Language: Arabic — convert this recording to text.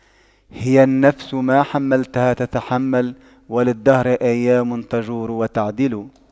هي النفس ما حَمَّلْتَها تتحمل وللدهر أيام تجور وتَعْدِلُ